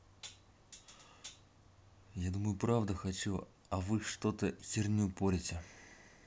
я думаю правда хочу а вы что то херню порете